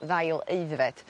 ddail aeddfed